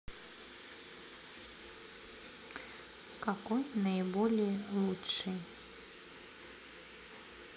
какой наиболее лучший